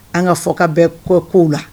An ka fɔ ka bɛ koko la